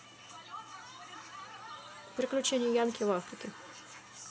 приключения янки в африке